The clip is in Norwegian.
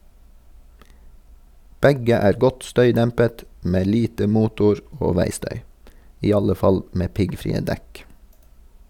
Begge er godt støydempet, med lite motor- og veistøy (i alle fall med piggfrie dekk).